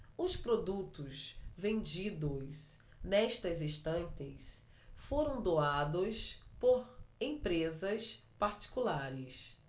os produtos vendidos nestas estantes foram doados por empresas particulares